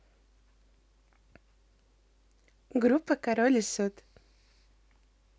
группа король и шут